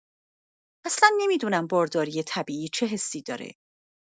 اصلا نمی‌دونم بارداری طبیعی چه حسی داره.